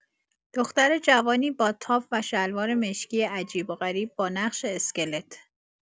دختر جوانی با تاپ و شلوار مشکی عجیب و غریب با نقش اسکلت